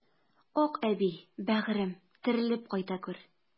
Акъәби, бәгырем, терелеп кайта күр!